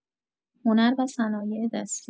هنر و صنایع‌دستی